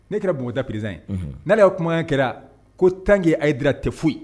Ne kɛra président ye unhun n'ale k'a kumakan kɛra ko tant que Haidara tɛ foyi